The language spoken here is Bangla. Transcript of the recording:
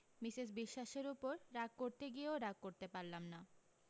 মিসেস বিশ্বাসের উপর রাগ করতে গিয়েও রাগ করতে পারলাম না